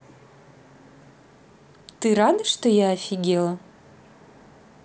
ты рада что я офигела